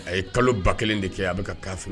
A ye kalo 1000 de kɛ a bɛ ka